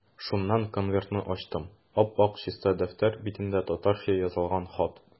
Шуннан конвертны ачтым, ап-ак чиста дәфтәр битенә татарча язылган хат.